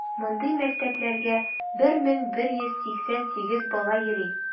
Мондый мәктәпләргә 1188 бала йөри.